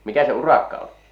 mikä se urakka oli